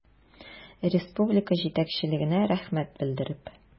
Республика җитәкчелегенә рәхмәт белдереп.